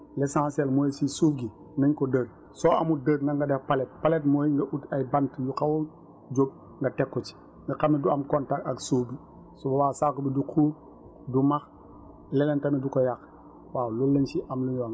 l' essentiel mooy si suuf gi nañ ko dër soo amul dër na nga def palette palette mooy nga ut ay bant yu xaw a jóg nga teg ko ci nga xam ne du am contact ak suuf bi su boobaa saaku bi du xuur du max leneen tamit du ko yàq waaw loolu lañ si am lu ñuy wax